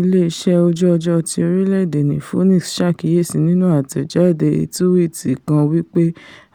Ilé-iṣẹ́ Ojú-ọjọ́ ti orílẹ̀-èdè ní Phoenix ṣàkíyèsí nínú àtẹ̀jade tuwiti kan wí pé